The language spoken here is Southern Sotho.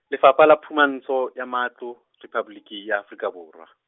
Lefapha la Phumantsho ya Matlo, Rephaboliki, ya Afrika Borwa.